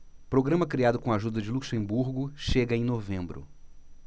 programa criado com a ajuda de luxemburgo chega em novembro